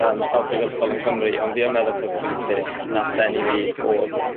yym sawl prifysgol yng Nghymru ond fi yn meddwl taw'r prif peth nath ddenni fi o'dd